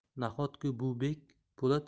nahotki bu bek po'lat